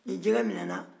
ni jɛgɛ minana